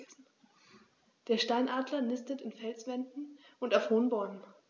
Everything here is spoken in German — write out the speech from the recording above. Der Steinadler nistet in Felswänden und auf hohen Bäumen.